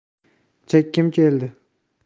chekkim keldi